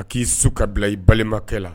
A k'i su ka bila i balimakɛ la